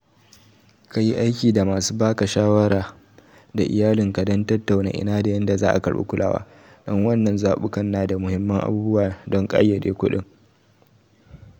Kayi aiki da masu baka shawara da iyalin ka don tattauna ina da yanda za’a karbi kulawa, don wadannan zabubbukan nada muhimman abubuwa don kayyade kudin.